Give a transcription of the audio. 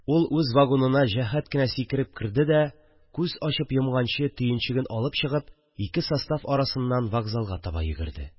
Ул үз вагонына җәһәт кенә сикереп керде дә, күз ачып йомганчы төенчеген алып чыгып, ике состав арасыннан вокзалга таба йөгерде